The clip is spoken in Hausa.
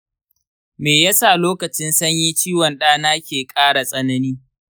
me yasa lokacin sanyi ciwon ɗana ke ƙara tsanani?